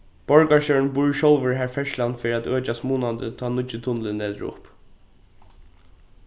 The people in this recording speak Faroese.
borgarstjórin býr sjálvur har ferðslan fer at økjast munandi tá nýggi tunnilin letur upp